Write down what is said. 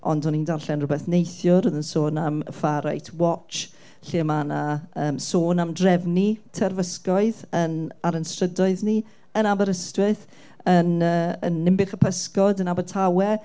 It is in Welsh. ond o'n i'n darllen rywbeth neithiwr oedd yn sôn am y far right watch, lle ma' 'na yym sôn am drefnu terfysgoedd yn... ar ein strydoedd ni, yn Aberystwyth, yn yy yn Ninbych y Pysgod, yn Abertawe.